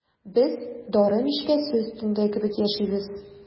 Без дары мичкәсе өстендә кебек яшибез.